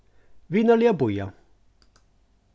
vinarliga bíða